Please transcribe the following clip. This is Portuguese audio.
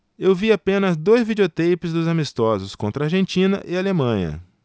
eu vi apenas dois videoteipes dos amistosos contra argentina e alemanha